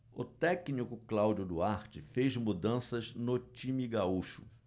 o técnico cláudio duarte fez mudanças no time gaúcho